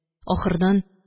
Ахырдан